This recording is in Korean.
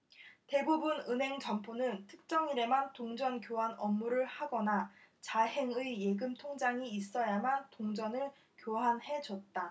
대부분 은행 점포는 특정일에만 동전 교환 업무를 하거나 자행의 예금통장이 있어야만 동전을 교환해줬다